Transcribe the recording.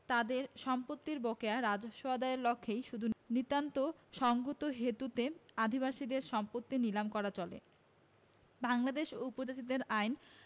তাদের সম্পত্তির বকেয়া রাজস্ব আদায়ের লক্ষেই শুধু নিতান্ত সঙ্গতহেতুতে আদিবাসীদের সম্পত্তি নীলাম করা চলে বাংলাদেশের উপজাতিদের আইন